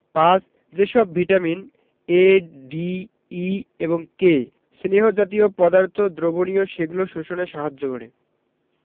৫. যে সব vitamin A D E এবং কে স্নেহ জাতীয় পদার্থ দ্রবণীয় সেগুলো শোষণে সাহায্য করে